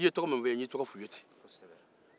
i ye tɔgɔ min fɔ n ye n ye tɔgɔ fɔ u ye ten